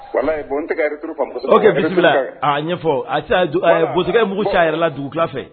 Walaya bɔn n te ka retour famu kosɛbɛ. ok bisimila a ɲɛfɔ. A a ɛɛ Bozokɛ ye mugu ci a yɛrɛ la dugukila fɛ